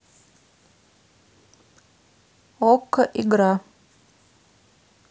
окко игра